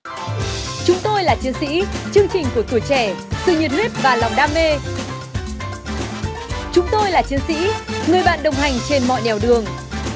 chúng tôi là chiến sĩ chương trình của tuổi trẻ sự nhiệt huyết và lòng đam mê chúng tôi là chiến sĩ người bạn đồng hành trên mọi nẻo đường